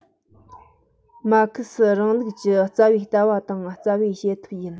མར ཁེ སིའི རིང ལུགས ཀྱི རྩ བའི ལྟ བ དང རྩ བའི བྱེད ཐབས ཡིན